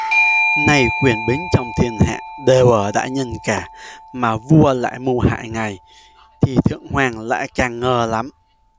nay quyền bính trong thiên hạ đều ở đại nhân cả mà vua lại mưu hại ngài thì thượng hoàng lại càng ngờ lắm